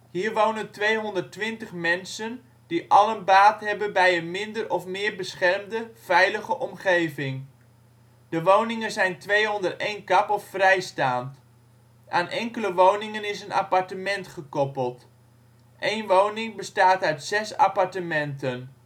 Hier wonen 220 mensen die allen baat hebben bij een minder of meer beschermde, veilige omgeving. De woningen zijn twee-onder-één-kap of vrijstaand. Aan enkele woningen is een appartement gekoppeld. Eén woning bestaat uit zes appartementen